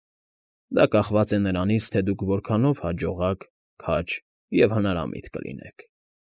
Դա կախված է նրանից, թե դուք որքանով հաջողակ, քաջ և հնարամիտ կլինեք։